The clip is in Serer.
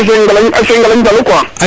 Asc Ngalagne Njalo quoi